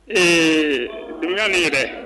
Ee d ni ye dɛ